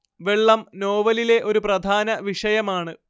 വെള്ളം നോവലിലെ ഒരു പ്രധാന വിഷയമാണ്